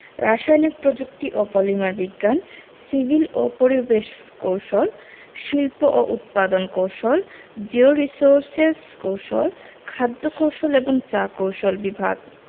রাসায়নিক প্রযুক্তি ও পলিমার বিজ্ঞান সিভিল ও পরিবেশ কৌশল শিল্প ও উৎপাদন কৌশল জিওরির্সোসেস কৌশল খাদ্য কৌশল এবং চা কৌশল বিভাগ